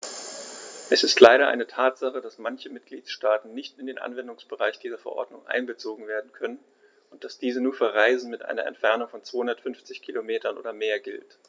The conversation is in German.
Es ist leider eine Tatsache, dass manche Mitgliedstaaten nicht in den Anwendungsbereich dieser Verordnung einbezogen werden können und dass diese nur für Reisen mit einer Entfernung von 250 km oder mehr gilt.